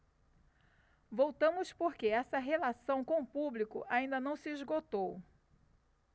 voltamos porque essa relação com o público ainda não se esgotou